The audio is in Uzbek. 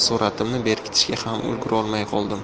ham ulgurolmay qoldim